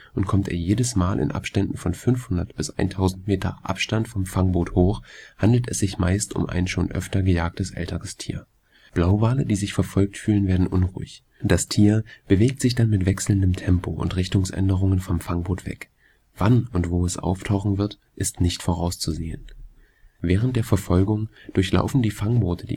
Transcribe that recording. und kommt er jedes Mal in Abständen von 500 bis 1000 Meter Abstand vom Fangboot hoch, handelt es sich meist um ein schon öfter gejagtes älteres Tier. Blauwale, die sich verfolgt fühlen, werden unruhig. Das Tier bewegt sich dann mit wechselndem Tempo und Richtungsänderungen vom Fangboot weg. Wann und wo es auftauchen wird, ist nicht vorauszusehen. Während der Verfolgung durchlaufen die Fangboote